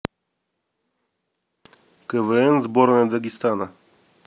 квн сборная дагестана